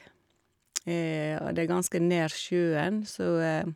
Og det er ganske nær sjøen, så...